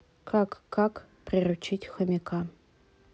как как приручить хомяка